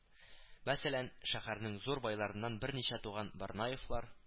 Мәсәлән, шәһәрнең зур байларыннан берничә туган Борнаевлар